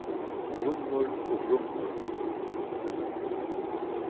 grunnur og brunnur